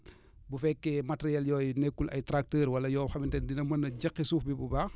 bu fekkee matériels yooyu nekkul ay tracteurs wala yoo xamante ne dina mën a jeqi suuf bi bu baax